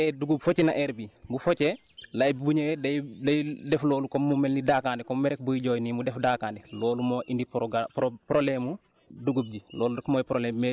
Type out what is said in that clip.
loolu heure bii bu fekkee dugug focc na heure bii bu foccee lay bi bu ñëwee day day def loolu comme mu mel ni daakaande comme mel rek buy jooy nii mu def daakaande loolu moo indiprogra pro problème mu dugub ji